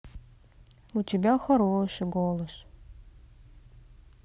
у тебя хороший голос